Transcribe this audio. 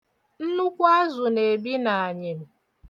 Nnukwu azụ na-ebi n'anyịm.